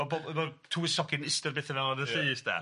O' bo' bo' tywysogion iste a'r bethe fewn yn y llys, de,